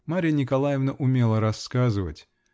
Марья Николаевна умела рассказывать.